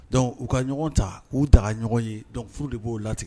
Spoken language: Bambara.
Dɔnku u ka ɲɔgɔn ta k'u ta ɲɔgɔn ye dɔn furu de b'o latigɛ